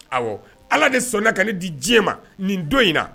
Ɔwɔ ala de sɔnna ka ne di diɲɛ ma nin don in na